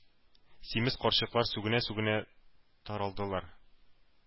Симез карчыклар сүгенә-сүгенә таралдылар.